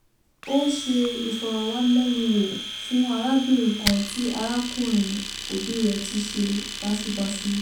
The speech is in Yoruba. Ó ṣe ìfọ̀rọ̀wánilẹ́nuwò fún arábìnrin kan tí arákùnrin òbí rẹ̀ ti ṣe báṣubàsu.